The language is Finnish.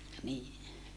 niin